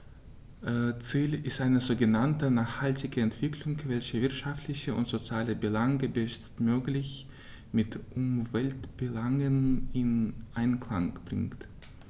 Ziel ist eine sogenannte nachhaltige Entwicklung, welche wirtschaftliche und soziale Belange bestmöglich mit Umweltbelangen in Einklang bringt.